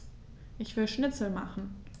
Ich will Schnitzel machen.